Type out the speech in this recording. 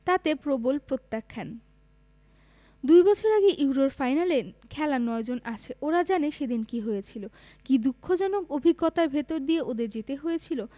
তাতে প্রবল প্রত্যাখ্যান দুই বছর আগে ইউরোর ফাইনালে খেলা ৯ জন আছে ওরা জানে সেদিন কী হয়েছিল কী দুঃখজনক অভিজ্ঞতার ভেতর দিয়ে ওদের যেতে হয়েছিল